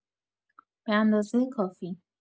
به‌اندازه کافی